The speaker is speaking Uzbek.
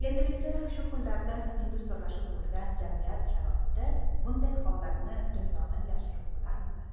endilikda shu kunlarda industriyalashib bo'lgan jamiyat sharoitida bunday holatni dunyodan yashirib bo'larmidi